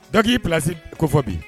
Dɔ k'i place kofɔ bi